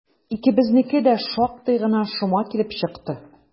Икебезнеке дә шактый гына шома килеп чыкты.